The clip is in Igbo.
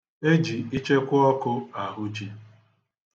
E ji ichekụọkụ ahụ ji.